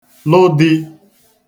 lụ dī